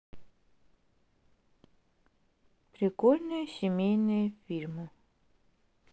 прикольные семейные фильмы